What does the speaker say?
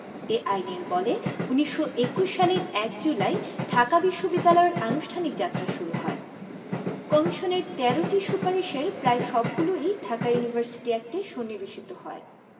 এ আইনের বলে ১৯২১ সালের ১ জুলাই ঢাকা বিশ্ববিদ্যালয়ের আনুষ্ঠানিক যাত্রা শুরু হয় কমিশনের ১৩টি সুপারিশের প্রায় সবগুলিই ঢাকা ইউনিভার্সিটি অ্যাক্টে সন্নিবেশিত হয়